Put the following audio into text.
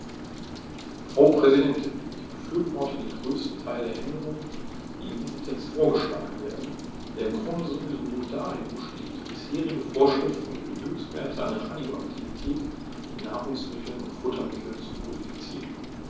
Frau Präsidentin, ich befürworte den größten Teil der Änderungen, die in diesem Text vorgeschlagen werden, der im Grunde sowieso nur darin besteht, bisherige Vorschriften über die Höchstwerte an Radioaktivität in Nahrungsmitteln und Futtermitteln zu kodifizieren.